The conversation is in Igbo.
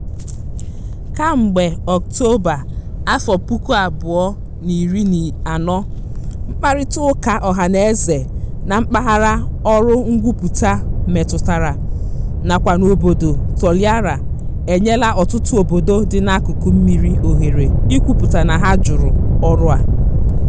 Kemgbe Ọktoba 2014, mkparịtaụka ọhanaeze na mpaghara ọrụ ngwupụta metụtara nakwa n'obodo Toliara enyela ọtụtụ obodo dị n'akụkụ mmiri ohere ikwupụta na ha jụrụ ọrụ a.